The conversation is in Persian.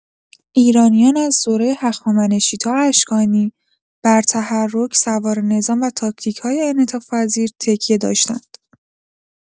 ایرانیان، از دوره هخامنشی تا اشکانی، بر تحرک، سواره‌نظام و تاکتیک‌های انعطاف‌پذیر تکیه داشتند.